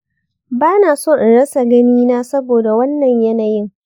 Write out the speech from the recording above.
bana so in rasa ganina saboda wannan yanayin.